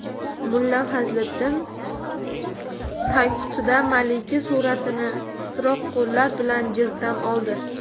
mulla fazliddin tagqutidagi malika suratini titroq qo'llar bilan jilddan oldi